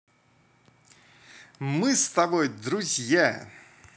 мы с тобой друзья